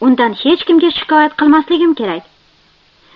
undan hech kimga shikoyat qilmasligim kerak